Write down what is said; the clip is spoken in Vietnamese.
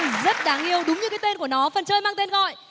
rất đáng yêu đúng như cái tên của nó phần chơi mang tên gọi